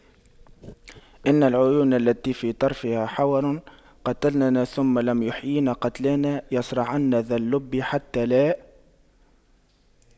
إن العيون التي في طرفها حور قتلننا ثم لم يحيين قتلانا يَصرَعْنَ ذا اللب حتى لا